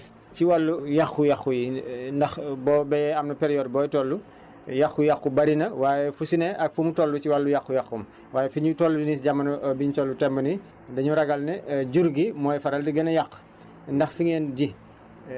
loolu moo ci ëpp solo Dias si wàllu yàqu-yàqu yi ndax boo béyee am na période booy toll yàqu-yàqu bëri na waaye fu si ne ak fu mu toll si wàllu yàqu-yàqoom waaye fi ñu toll nii si jamono biñ toll temb nii dañoo ragal ne jur gi mooy faral di gën a yàq